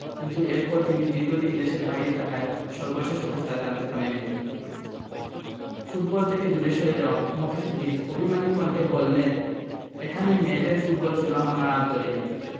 কিন্তু এরপর তিনি দীর্ঘদিন দেশের বাইরে থাকায় সর্বশেষ অবস্থা জানতে পারেননি ফুটবল থেকে দূরে সরে যাওয়া মফিজ উদ্দিন অভিমানী কণ্ঠে বললেন এখানে মেয়েদের ফুটবল শুরু আমার হাত ধরেই